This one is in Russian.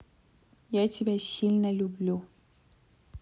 я тебя сильно люблю